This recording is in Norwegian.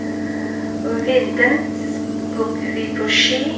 Om vinteren s går p vi på ski.